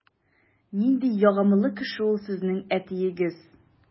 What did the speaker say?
Нинди ягымлы кеше ул сезнең әтиегез!